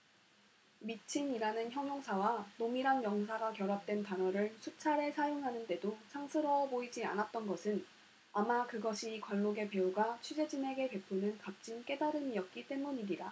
미친이라는 형용사와 놈이란 명사가 결합된 단어를 수차례 사용하는데도 상스러워 보이지 않았던 것은 아마 그것이 관록의 배우가 취재진에게 베푸는 값진 깨달음이었기 때문이리라